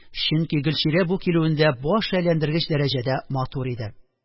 Чөнки Гөлчирә бу килүендә баш әйләндергеч дәрәҗәдә матур иде